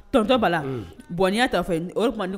Tonton Bala un bon n'i y'a ta o fɛ n o de kama ne